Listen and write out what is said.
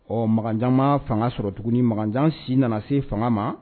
Ɔ makanjan ma fanga sɔrɔ tuguni makanjan si nana se fanga ma